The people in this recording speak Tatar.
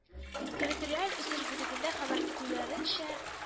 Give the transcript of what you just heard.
Территориаль үсеш бүлегендә хәбәр итүләренчә